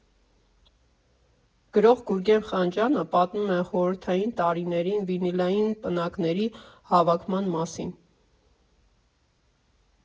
Գրող Գուրգեն Խանջյանը պատմում է խորհրդային տարիներին վինիլային պնակների հավաքման մասին։